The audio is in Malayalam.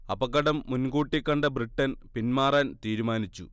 അപകടം മുൻകൂട്ടി കണ്ട ബ്രിട്ടൻ പിന്മാറാൻ തീരുമാനിച്ചു